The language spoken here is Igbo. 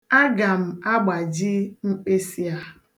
Aga m agbaji mkpịsị a.